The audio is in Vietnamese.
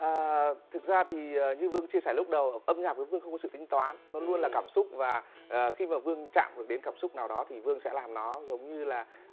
à thực ra thì như vương chia sẻ lúc đầu âm nhạc với vương không có sự tính toán nó luôn là cảm xúc và khi mà vương chạm được đến cảm xúc nào đó thì vương sẽ làm nó giống như là